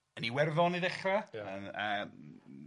Yn Iwerddon i ddechra. Ia. Yy a m- m-